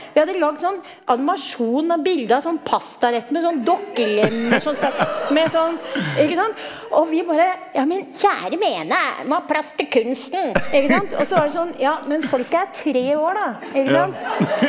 vi hadde lagd sånn animasjon med bilde av sånn pastarett med sånn dokkelemmer som stakk med sånn ikke sant, og vi bare jammen kjære vene, må ha plass til kunsten ikke sant også var det sånn ja men folk er tre år da ikke sant.